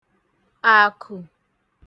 àkụ̀